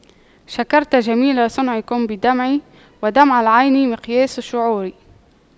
شكرت جميل صنعكم بدمعي ودمع العين مقياس الشعور